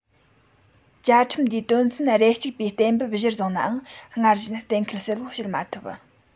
བཅའ ཁྲིམས འདིའི དོན ཚན རེ གཅིག པའི གཏན འབེབས གཞིར བཟུང ནའང སྔར བཞིན གཏན འཁེལ གསལ པོ བྱེད མ ཐུབ